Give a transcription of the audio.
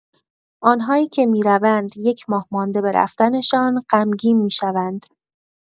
آن‌هایی که می‌روند، یک ماه مانده به رفتنشان غمگین می‌شوند.